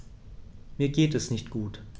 Mir geht es nicht gut.